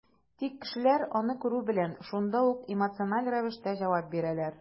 Тик кешеләр, аны күрү белән, шундук эмоциональ рәвештә җавап бирәләр.